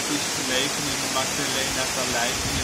is gelegen in de Magdalenavallei in